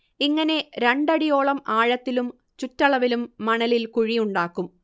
ഇങ്ങനെ രണ്ടടിയോളം ആഴത്തിലും ചുറ്റളവിലും മണലിൽ കുഴിയുണ്ടാക്കും